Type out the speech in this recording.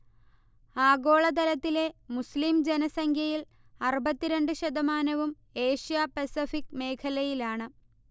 ആഗോളതലത്തിലെ മുസ്ലിം ജനസംഖ്യയിൽ അറുപത്തിരണ്ട് ശതമാനവും ഏഷ്യ-പസഫിക് മേഖലയിലാണ്